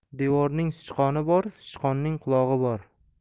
devorning sichqoni bor sichqonning qulog'i bor